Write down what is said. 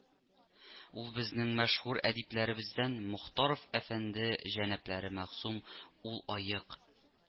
Ул безнең мәшһүр әдипләребездән Мохтаров әфәнде җәнаплары мәгъсум, ул аек